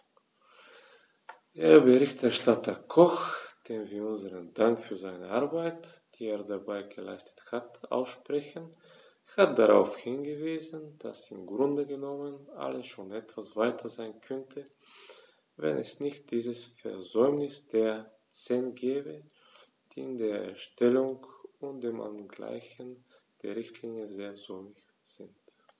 Der Berichterstatter Koch, dem wir unseren Dank für seine Arbeit, die er dabei geleistet hat, aussprechen, hat darauf hingewiesen, dass im Grunde genommen alles schon etwas weiter sein könnte, wenn es nicht dieses Versäumnis der CEN gäbe, die in der Erstellung und dem Angleichen der Richtlinie sehr säumig sind.